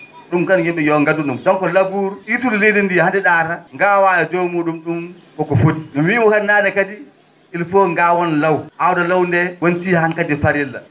?um kam yim?e yo nganndu ?um donc laboure iirtude leydi ndii haa ndi ?aata ngaawaa e dow muu?um ?um koko foti miwima naane kadi il faut ngaawon law aawde law ndee wontii han kadi farilla